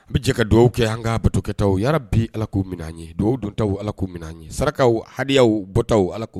An bɛ jɛ ka dɔw kɛ an katokɛw ya bi alako minaan ye dɔw dunta alaki minnaan ye sarakakaw haya bɔta ala ko